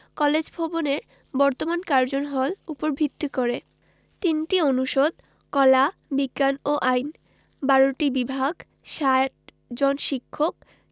college ভবনের বর্তমান Curzon Hall উপর ভিত্তি করে ৩টি অনুষদ কলা বিজ্ঞান ও আইন ১২টি বিভাগ ৬০ জন শিক্ষক